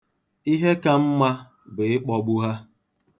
Ihe ka mma bụ ịkpọgbu ha.